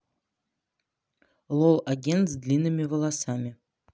лол агент с длинными волосами